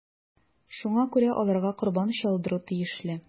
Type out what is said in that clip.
Шуңа күрә аларга корбан чалдыру тиешле.